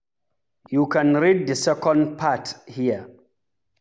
You can read the second part here.